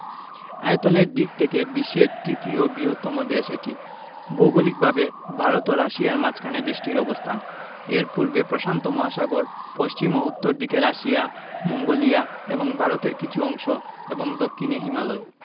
আয়তনের দিক থেকে বিশ্বের তৃতীয় বৃহত্তম দেশ এটি ভৌগলিকভাবে ভারত ও রাশিয়ার মাঝখানে দেশটির অবস্থান এর পূর্বে প্রশান্ত মহাসাগর পশ্চিম ও উত্তর দিকে রাশিয়া মঙ্গোলিয়া এবং ভারতের কিছু অংশ এবং দক্ষিনে হিমালয়